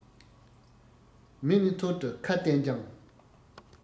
མེ ནི ཐུར དུ ཁ བསྟན ཀྱང